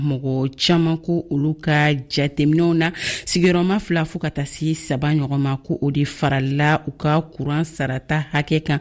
mɔgɔ caman ko olu ka jateminɛw na sigiyɔrɔma fila fo ka taga se saba ɲɔgɔn ma ko o de farala u ka kuran sarata hakɛ kan